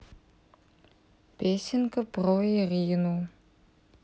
песенка про ирину